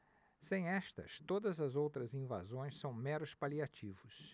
sem estas todas as outras invasões são meros paliativos